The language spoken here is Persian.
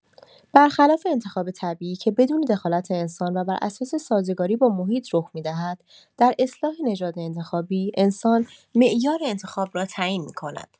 برخلاف انتخاب طبیعی که بدون دخالت انسان و بر اساس سازگاری با محیط رخ می‌دهد، در اصلاح نژاد انتخابی، انسان معیار انتخاب را تعیین می‌کند.